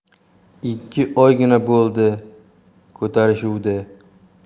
ikki oygina bo'ldi ko'tarishuvdi